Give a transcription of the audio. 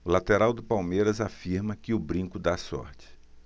o lateral do palmeiras afirma que o brinco dá sorte